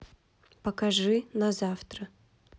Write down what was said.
покажи на завтра